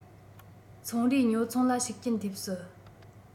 ཚོང རའི ཉོ ཚོང ལ ཤུགས རྐྱེན ཐེབས སྲིད